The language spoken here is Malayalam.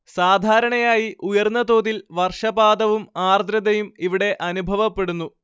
സാധാരണയായി ഉയർന്ന തോതിൽ വർഷപാതവും ആർദ്രതയും ഇവിടെ അനുഭവപ്പെടുന്നു